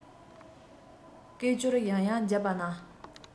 སྐད ཅོར ཡང ཡང བརྒྱབ པ ན